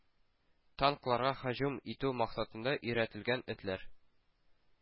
Танкларга һөҗүм итү максатында өйрәтелгән этләр